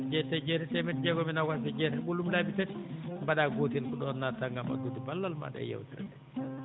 cappanɗe jeetati e jeetati teemedde jeegom e noogaas e jeetati mbaɗaa ɓolum laabi tati mbaɗaa gootel ko ɗoon naatataa ngam addude ballal maaɗa e yeewtere ndee